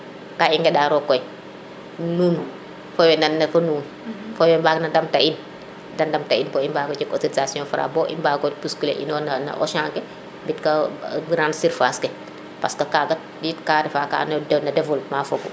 ka i ŋeɗa roog koy nuun fo we nan na fo nuun fo we mbaag na ndamta in de ndamta in bo i mbago njeg autorisation Fra bo i mbago puskile ino na Auchan ke mbit no grande surface ke parce que kaga ka refa no ka ando naye no développement fogu